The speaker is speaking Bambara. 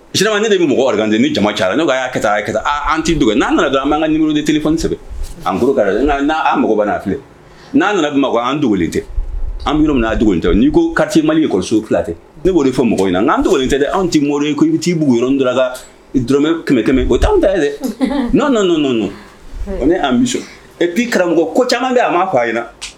Silaman ne de bɛ mɔgɔ kan ten ni jama cayara la ne'a ka taa ka an tɛ dogo n'a nana don an'an ka ɲɛ telisɛbɛ ankara n' a mɔgɔ banna filɛ n'a nana ma an dogo tɛ an minna' dugu tɛ n nii ko kati mali nikɔso fila tɛ ne' fɔ mɔgɔ in na n'an dogo tɛ de an tɛ mori in ko bɛ t'i' yɔrɔ dɔrɔnla kɛmɛ kɛmɛmɛ ko' an ta ye dɛ n' nana nɔ' e p karamɔgɔko ko caman bɛ a ma' a in